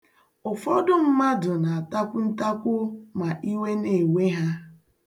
Ụfọdụ mmadụ na-atakwu ntakwu ma iwe na-ewe ha.